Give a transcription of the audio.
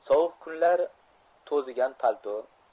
sovuq kunlar to'zigan palto